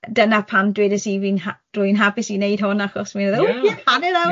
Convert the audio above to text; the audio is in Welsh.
Dyna pam dwedais i fi'n ha-... Rwy'n hapus i wneud hwn achos mi oedd o ie hanner awr o